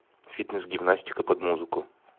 фитнес гимнастика под музыку